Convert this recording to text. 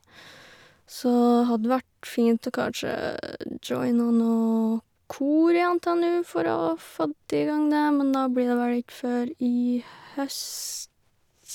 Så hadde vært fint å kanskje joina noe kor i NTNU for å fått i gang det, men da blir det vel ikke før i høst.